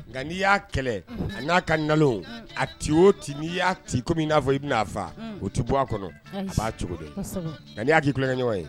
Nka n'i y'a kɛlɛ a n'a ka na a tɛ o n'i y'a ti komi n'a fɔ i bɛ n'a faa o tɛ bɔ a kɔnɔ fa cogo nka' y'a' iila ɲɔgɔn ye